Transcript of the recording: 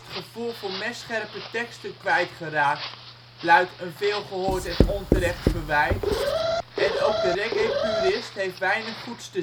kwijtgeraakt luidt een veelgehoord en onterecht verwijt, en ook de reggaepurist heeft weinig goeds